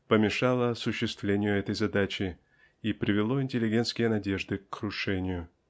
помешало осуществлению этой задачи и привело интеллигентские надежды к крушению.